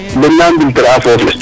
Den na mbiltere'aa foof le .